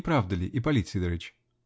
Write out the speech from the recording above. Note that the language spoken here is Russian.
не правда ли, Ипполит Сидорыч?